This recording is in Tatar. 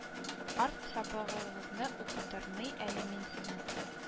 Арт сабагыгызны укытырмын әле мин сезнең